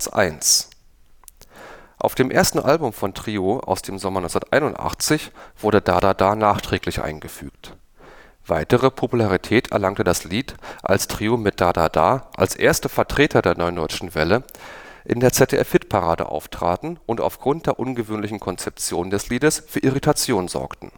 Platz 1. Auf dem ersten Album von Trio aus dem Sommer 1981 wurde „ Da da da “nachträglich eingefügt. Weitere Popularität erlangte das Lied, als Trio mit „ Da da da “als erste Vertreter der Neuen Deutschen Welle in der ZDF-Hitparade auftraten und aufgrund der ungewöhnlichen Konzeption des Liedes für Irritationen sorgten